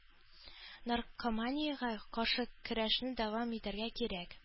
“наркоманиягә каршы көрәшне дәвам итәргә кирәк”